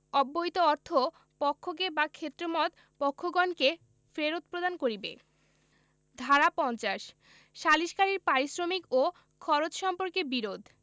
অব্যয়িত অর্থ পক্ষকে বা ক্ষেত্রমত পক্ষগণকে ফেরত প্রদান করিবে ধারা ৫০ সালিসকারীর পারিশ্রমিক ও খরচ সম্পর্কে বিরোধ